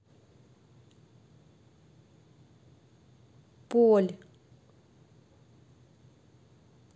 поль